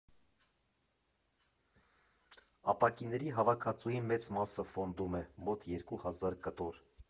Ապակիների հավաքածուի մեծ մասը ֆոնդում է՝ մոտ երկու հազար կտոր։